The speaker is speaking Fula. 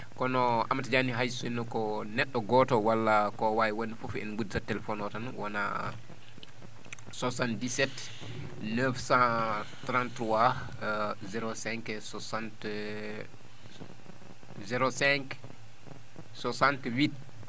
kono Amadou Tidiani hay sinno ko neɗɗo gooto walla ko waawi wonde fof en ngudditat téléphone oo tan wona 77 933 05 60 05 68